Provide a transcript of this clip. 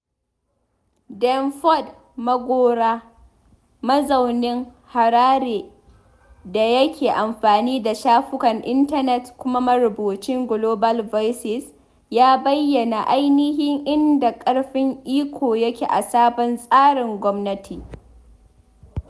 Denford Magora, mazaunin Harare da yake amfani da shafukan intanet kuma Marubucin Global Voices ya bayyana ainihin inda ƙarfin iko yake a sabon tsarin gwamnati.